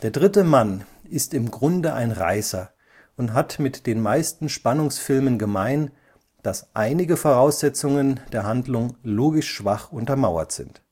dritte Mann ‘ist im Grunde ein Reißer und hat mit den meisten Spannungsfilmen gemein, daß einige Voraussetzungen der Handlung logisch schwach untermauert sind